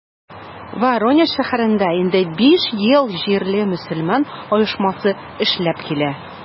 Воронеж шәһәрендә инде биш ел җирле мөселман оешмасы эшләп килә.